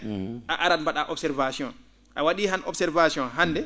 a arat mba?aa observation a wa?ii han observation hannde